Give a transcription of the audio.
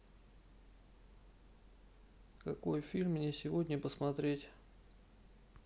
какой фильм мне сегодня посмотреть